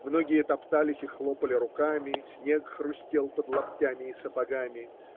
Многие топтались и хлопали руками; снег хрустел под лаптями и сапогами.